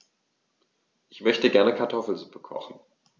Ich möchte gerne Kartoffelsuppe kochen.